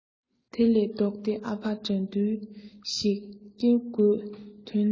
དེ ལས ལྡོག སྟེ ཨ ཕ དགྲ འདུལ ཞིག ཀེར དགོས དོན ནི